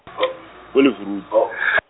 ko Lehuru- .